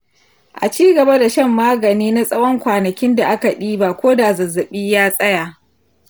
a ci gaba da shan maganin na tsawon kwanakin da aka diba ko da zazzaɓi ya tsaya.